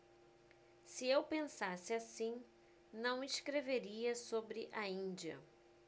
se eu pensasse assim não escreveria sobre a índia